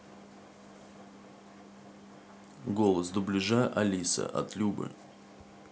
голос дубляжа алиса от любы